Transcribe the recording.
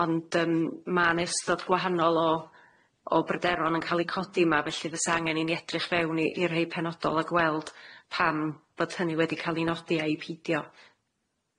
ond yym ma'n ystod gwahanol o o bryderon yn ca'l eu codi ma' felly fysa angen i ni edrych fewn i i rhei penodol a gweld pam bod hynny wedi ca'l ei nodi a'i peidio.